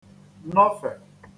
nọfè